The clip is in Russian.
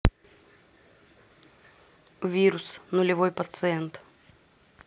вирус нулевой пациент